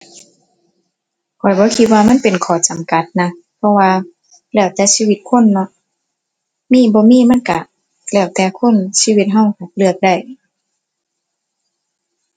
ข้อยบ่คิดว่ามันเป็นข้อจำกัดนะ เพราะว่าแล้วแต่ชีวิตคนเนาะ มี บ่มีมันก็แล้วแต่คน ชีวิตก็เลือกได้